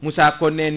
Moussa Konde en ni